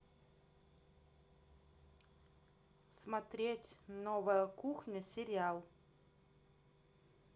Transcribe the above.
смотреть новая кухня сериал